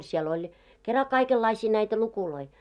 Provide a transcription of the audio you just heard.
siellä oli kera kaikenlaisia näitä lukuja